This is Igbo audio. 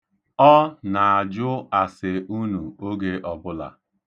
Jee, jụọ ase gbasara ihe ahụ.